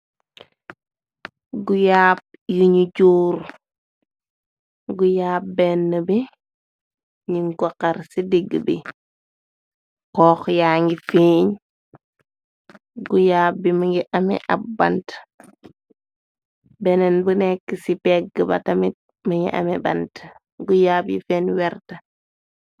Guyaab yiñu jóur, guyaab benn bi ñin go xar ci diggi bi, koox yaa ngi fieñ. Guyaab bi mangi ame ab banti, beneen bi nekk ci pegg ba tamit mangi ame banti, guyaab yi feen werta.